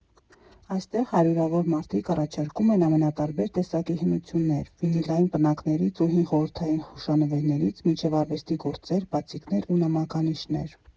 Այստեղ հարյուրավոր մարդիկ առաջարկում են ամենատարբեր տեսակի հնություններ՝ վինիլային պնակներից ու հին խորհրդային հուշանվերներից մինչև արվեստի գործեր, բացիկներ ու նամականիշներ։